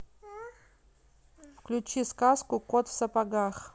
включи сказку кот в сапогах